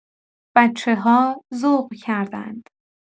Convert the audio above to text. بچه‌ها ذوق کردن.